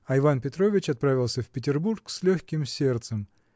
А Иван Петрович отправился в Петербург с легким сердцем.